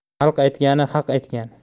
xalq aytgani haq aytgani